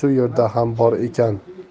shu yerda ham bor ekan